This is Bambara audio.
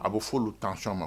A bɛ foliolu tan sɔn ma